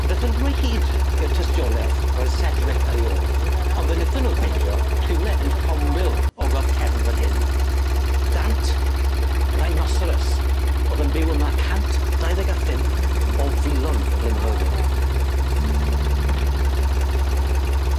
Dethon nw ddim o hyd i'r tystioleth roedd Sedgwick ar ei ôl ond fe nethon nw ffeindio rhywle yng nghrombil ogof cefn fan hyn dant rhinoceros o'dd yn byw yma cant dau ddeg a phump o filoedd o flynyddoedd yn ôl.